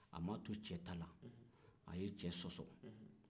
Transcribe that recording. a m'a to cɛ ta la a ye cɛ sɔsɔ